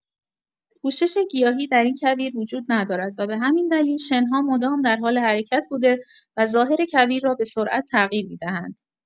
پوشش گیاهی در این کویر وجود ندارد و به همین دلیل شن‌ها مدام در حال حرکت بوده و ظاهر کویر را به‌سرعت تغییر می‌دهند.